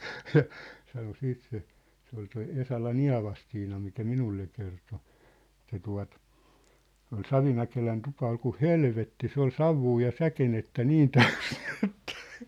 ja sanoi sitten se se oli tuo Esalan Eevastiina mikä minulle kertoi että tuota oli Savimäkelän tupa oli kuin helvetti se oli savua ja säkenettä niin täysi niin että